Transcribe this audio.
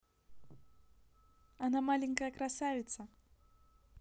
она маленькая красавица